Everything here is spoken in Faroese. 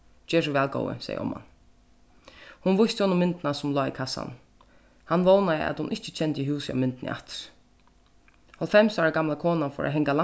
ger so væl góði segði omman hon vísti honum myndina sum lá í kassanum hann vónaði at hon ikki kendi húsið á myndini aftur hálvfems ára gamla konan fór at hanga